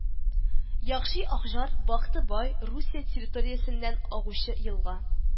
Якши-Акжар Бахты-Бай Русия территориясеннән агучы елга